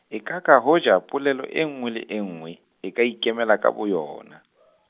ekaka hoja, polelo e nngwe le e nngwe, e ka ikemela ka boyona .